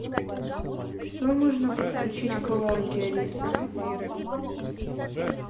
что можно подключить к колонке алиса